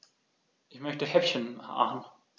Ich möchte Häppchen machen.